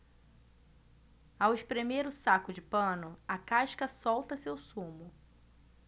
ao espremer o saco de pano a casca solta seu sumo